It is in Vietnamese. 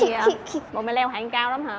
gì ợ bộ mày leo hạng cao lắm hả